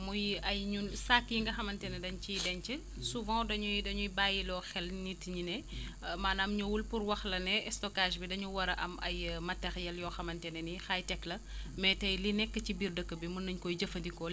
muy ay ñun saag yi nga xamante ne dañ ciy denc souvent dañuy dañuy bçyyiloo xel nit ñi ne maanaam ñëwul pour wax la ne stockage bi dañu war a am ay matériels yoo xamante ne hightech la mais tey li nekk ci biir dëkk bi mën nañu koy jëfandikoo